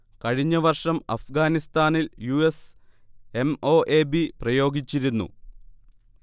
കഴിഞ്ഞ വർഷം അഫ്ഗാനിസ്ഥാനിൽ U. S. M. O. A. B. പ്രയോഗിച്ചിരുന്നു